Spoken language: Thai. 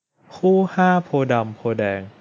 คู่ห้าโพธิ์ดำโพธิ์แดง